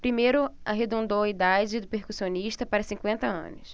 primeiro arredondou a idade do percussionista para cinquenta anos